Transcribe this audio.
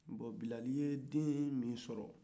bɔn bilali ye den min sɔrɔ